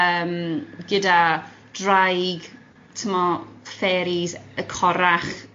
yym gyda draig, ti'bod fairies y corach.